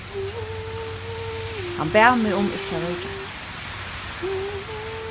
hann bað meg um ikki at roykja